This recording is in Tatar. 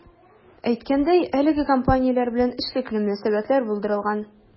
Әйткәндәй, әлеге компанияләр белән эшлекле мөнәсәбәтләр булдырылган.